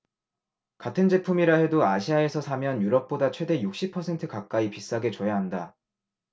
같은 제품이라 해도 아시아에서 사면 유럽보다 최대 육십 퍼센트 가까이 비싸게 줘야 한다